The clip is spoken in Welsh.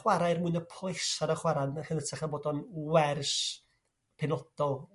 chwarae er mwyn y plesar o chwara' yn 'y'ch- yn 'ytrach na bod o'n wers penodol.